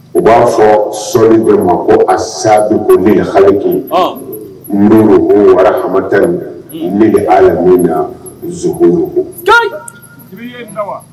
U b'a fɔ so in bɛ ma ko a sadu ne ye hali kun n wara hatɛ ne bɛ ala na